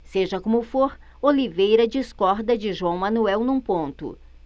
seja como for oliveira discorda de joão manuel num ponto